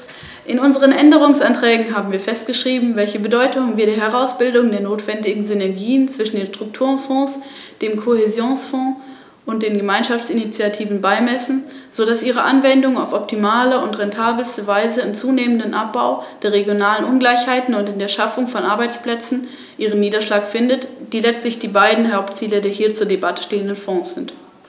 Ich danke Frau Schroedter für den fundierten Bericht.